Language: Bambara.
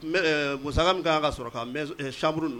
Mais musakahakɛ min kan ka sɔrɔ ka centre